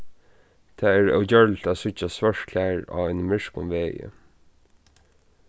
tað er ógjørligt at síggja svørt klæðir á einum myrkum vegi